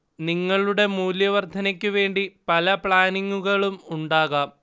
നിങ്ങളുടെ മൂല്യ വർദ്ധനക്ക് വേണ്ടി പല പ്ലാനിങ്ങുകളും ഉണ്ടാകാം